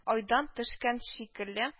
Айдан төшкән шикелле